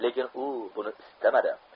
lekin u buni istamadi